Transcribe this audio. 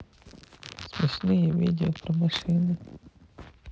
смешные видео про машины